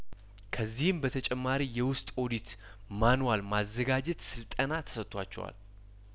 ከዚህም በተጨማሪ የውስጥ ኦዲት ማንዋል ማዘጋጀት ስልጠና ተሰጥቷቸዋል